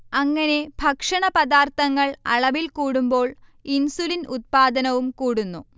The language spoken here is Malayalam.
അങ്ങനെ ഭക്ഷണപദാർഥങ്ങൾ അളവിൽ കൂടുമ്പോൾ ഇൻസുലിൻ ഉത്പാദനവും കൂടുന്നു